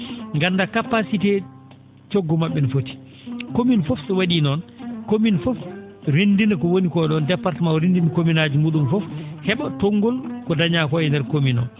nganndaa capacité coggu ma??e no foti commune fof so wa?ii noon commune fof renndina ko woni koo ?oo département o rendina commune aaji mu?um fof he?a konngol ko dañaa koo e ndeer commune o